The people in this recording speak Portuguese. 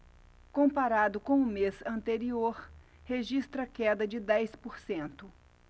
comparado com o mês anterior registra queda de dez por cento